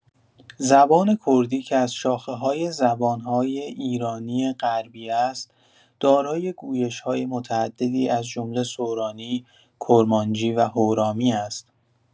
زبان کردی که از شاخه‌های زبان‌های ایرانی غربی است، دارای گویش‌های متعددی از جمله سورانی، کرمانجی و هورامی است.